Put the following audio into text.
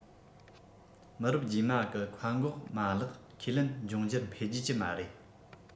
མི རབས རྗེས མ གི མཁའ འགོག མ ལག ཁས ལེན འབྱུང འགྱུར འཕེལ རྒྱས ཀྱི མ རེད